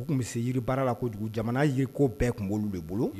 U tun bɛ se yiri baara la ko kojugu jamana yiri ko bɛɛ tun' de bolo